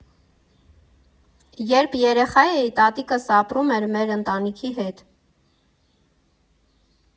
Երբ երեխա էի, տատիկս ապրում էր մեր ընտանիքի հետ։